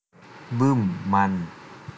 บึ้มมัน